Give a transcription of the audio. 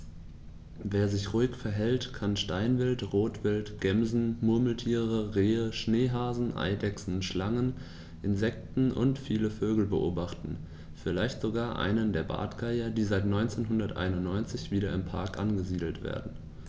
Wer sich ruhig verhält, kann Steinwild, Rotwild, Gämsen, Murmeltiere, Rehe, Schneehasen, Eidechsen, Schlangen, Insekten und viele Vögel beobachten, vielleicht sogar einen der Bartgeier, die seit 1991 wieder im Park angesiedelt werden.